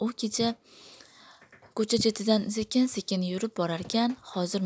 u kecha ko'cha chetidan sekin sekin yurib borarkan hozir